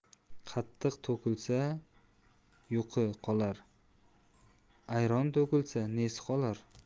qatiq to'kilsa yuqi qolar ayron to'kilsa nesi qolar